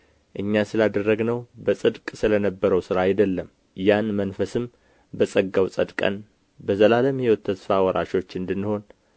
እኛ ስላደረግነው በጽድቅ ስለ ነበረው ሥራ አይደለም ያን መንፈስም በጸጋው ጸድቀን በዘላለም ሕይወት ተስፋ ወራሾች እንድንሆን